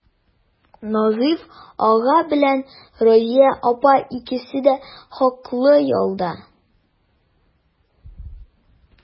Назыйф ага белән Разыя апа икесе дә хаклы ялда.